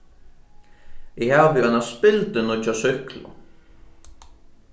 eg havi eina spildurnýggja súkklu